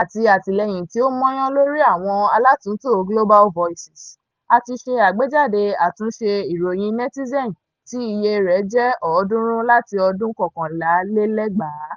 àti àtìlẹ́yìn tí ó mọ́yán lórí àwọn alátúntò Global Voices, a ti ṣe àgbéjáde àtúnṣe ìròyìn Netizen tí iye rẹ̀ jẹ́ ọ̀ọ́dúnrún láti ọdún 2011.